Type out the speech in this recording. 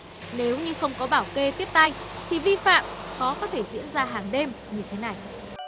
nếu như không có bảo kê tiếp tay thì vi phạm khó có thể diễn ra hằng đêm như thế này